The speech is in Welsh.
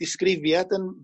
disgrifiad yn